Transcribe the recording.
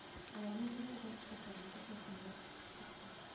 Аларның бик күп әс әсәрләре дә синдә чыкты